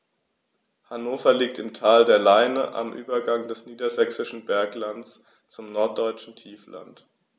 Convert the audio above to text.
Hannover liegt im Tal der Leine am Übergang des Niedersächsischen Berglands zum Norddeutschen Tiefland.